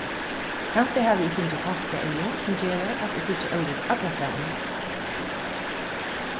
kanska havi eg fingið falkaeygu sum gera at eg síggi órudd allastaðni